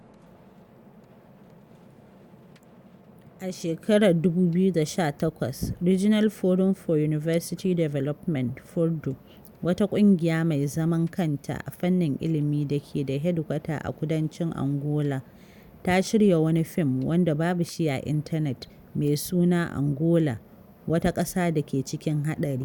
A 2018, Regional Forum for University Development (FORDU), wata ƙungiya mai zaman kanta a fannin ilimi dake da hedkwata a kudancin Angola, ta shirya wani fim (wanda babu shi a intanet) mai suna “Angola, wata ƙasa dake cikin haɗari”.